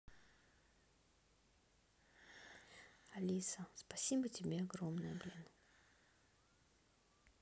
алиса спасибо тебе огромного блин